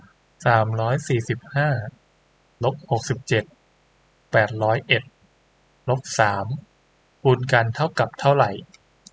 สามร้อยสี่สิบห้าลบหกสิบเจ็ดแปดร้อยเอ็ดลบสามคูณกันเท่ากับเท่าไหร่